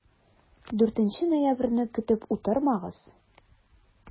4 ноябрьне көтеп утырмагыз!